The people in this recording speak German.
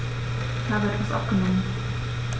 Ich habe etwas abgenommen.